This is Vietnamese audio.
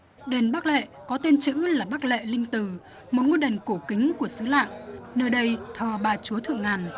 đền bắc lệ có tên chữ là mắc lệ linh từ một ngôi đền cổ kính của xứ lạng nơi đây thờ bà chúa thượng ngàn